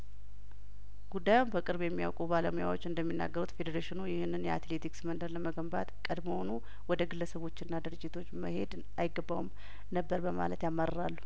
ጉዳዩን በቅርብ የሚያውቁ ባለሙያዎች እንደሚናገሩት ፌዴሬሽኑ ይህንን የአትሌቲክስ መንደር ለመገንባት ቀድሞውኑ ወደ ግለሰቦችና ድርጅቶች መሄድ አይገባውም ነበር በማለት ያማርራሉ